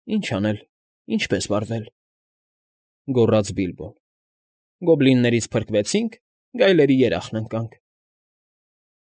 Ի՞նչ անել, ինչպե՞ս վարվել,֊ գոռաց Բիլբոն։֊ Գոբլիններից փրկվեցինք, գայլերի երախն ընկանք։